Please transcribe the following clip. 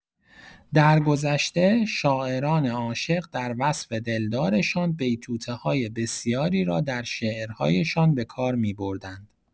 درگذشته، شاعران عاشق در وصف دلدارشان بیتوته‌های بسیاری را در شعرهایشان به کار می‌بردند.